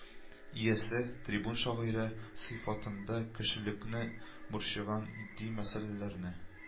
Иясе, трибун-шагыйре сыйфатында кешелекне борчыган итди мәсьәләләрне